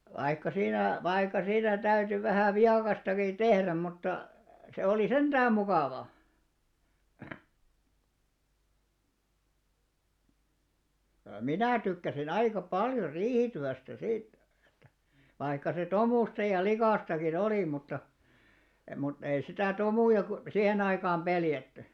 vaikka siinä vaikka siinä täytyi vähän viekastakin tehdä mutta se oli sentään mukava minä tykkäsin aika paljon riihityöstä sitten että vaikka se tomuista ja likaistakin oli mutta mutta ei sitä tomuja kun siihen aikaan pelätty